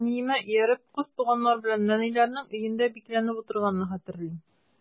Әниемә ияреп, кыз туганнар белән нәнәйләрнең өендә бикләнеп утырганны хәтерлим.